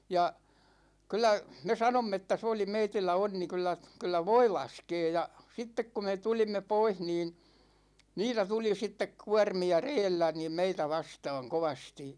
ja kyllä me sanoimme että se oli meillä onni kyllä kyllä voi laskee ja sitten kun me tulimme pois niin niitä tuli sitten kuormia reellä niin meitä vastaan kovasti